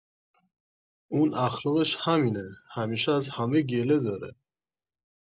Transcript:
اون اخلاقش همینه همیشه از همه گله داره